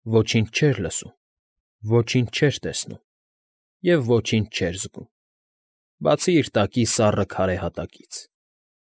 Ոչինչ չէր լսում, ոչինչ չէր տեսնում և ոչինչ չէր զգում, բացի իր տակի սառը քարե հատակից։